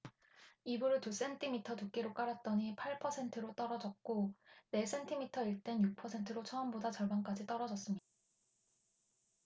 이불을 두 센티미터 두께로 깔았더니 팔 퍼센트로 떨어졌고 네 센티미터일 땐 육 퍼센트로 처음보다 절반까지 떨어졌습니다